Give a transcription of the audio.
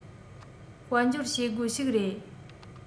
དཔལ འབྱོར བྱེད སྒོ ཞིག རེད